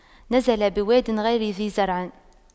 نزل بواد غير ذي زرع